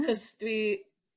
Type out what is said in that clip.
'Chos dwi